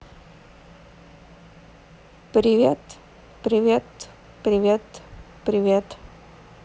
привет привет привет привет